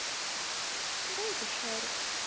бейби шарк